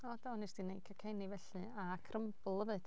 O do wnes 'di wneud cacenni felly a crumble 'fyd.